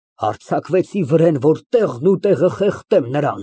Բայց, ինչ արած, չեմ կարող։ (Հառաչելով, արմունկները հենում է դաշնամուրին)։ ԲԱԳՐԱՏ ֊ (Հեգնաբար)։